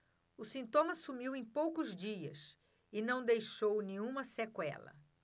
o sintoma sumiu em poucos dias e não deixou nenhuma sequela